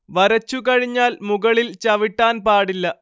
വരച്ചു കഴിഞ്ഞാൽ മുകളിൽ ചവിട്ടാൻ പാടില്ല